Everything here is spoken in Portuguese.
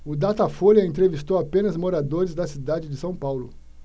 o datafolha entrevistou apenas moradores da cidade de são paulo